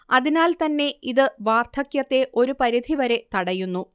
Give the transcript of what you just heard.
അതിനാൽ തന്നെ ഇത് വാർധക്യത്തെ ഒരു പരിധിവരെ തടയുന്നു